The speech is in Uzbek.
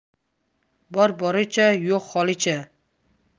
bor boricha yo'q holicha